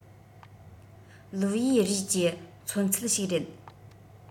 ལིའུ ཡུས རུས ཀྱི མཚོན ཚུལ ཞིག རེད